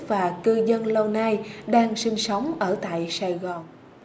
và cư dân lâu nay đang sinh sống ở tại sài gòn